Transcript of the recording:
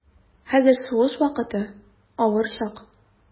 Хәзер сугыш вакыты, авыр чак.